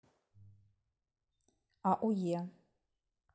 ауе